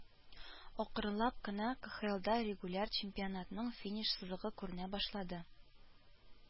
Акрынлап кына КэХаэЛда регуляр чемпионатның финиш сызыгы күренә башлады